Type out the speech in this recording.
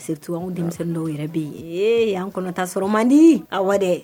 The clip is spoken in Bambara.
Reto anw denmisɛnnin dɔw yɛrɛ bɛ yen ee an kɔnɔta sɔrɔ man di a wa dɛ